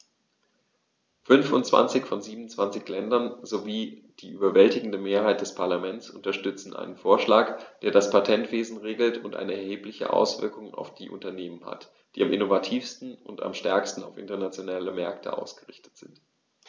Fünfundzwanzig von 27 Ländern sowie die überwältigende Mehrheit des Parlaments unterstützen einen Vorschlag, der das Patentwesen regelt und eine erhebliche Auswirkung auf die Unternehmen hat, die am innovativsten und am stärksten auf internationale Märkte ausgerichtet sind.